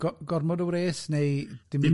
Go- gormod o wres neu dim digon?